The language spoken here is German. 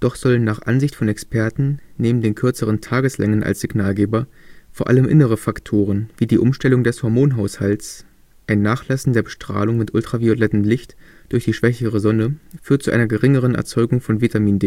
Doch sollen nach Ansicht von Experten neben den kürzeren Tageslängen als Signalgeber vor allem innere Faktoren wie die Umstellung des Hormonhaushalts – ein Nachlassen der Bestrahlung mit ultraviolettem Licht durch die schwächere Sonne führt zu einer geringeren Erzeugung von Vitamin